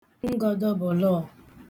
ngọdọọ̀bụ̀lọ